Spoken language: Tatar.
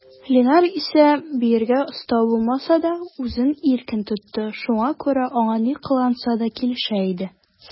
Линар исә, биергә оста булмаса да, үзен иркен тотты, шуңа күрә аңа ни кыланса да килешә иде.